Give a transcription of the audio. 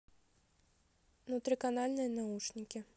внутриканальные наушники